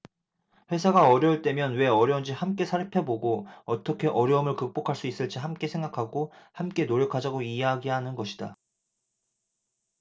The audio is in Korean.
회사가 어려울 때면 왜 어려운지 함께 살펴보고 어떻게 어려움을 극복할 수 있을지 함께 생각하고 함께 노력하자고 이야기하는 것이다